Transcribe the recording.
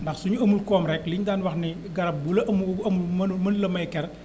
ndax suñu amul koom rek li ñu daan wax ni garab gu la amul amul mënul a may ker